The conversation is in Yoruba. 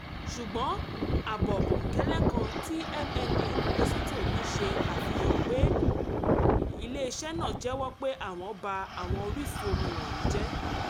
Ṣùgbọ́n, àbọ̀ bòńkẹ́lẹ́ kan tí MNN Lesotho ní ṣe àfihàn pé ilé-iṣẹ́ náà jẹ́wọ́ pé àwọn bá àwọn orísun omi wọ̀nyìí jẹ́.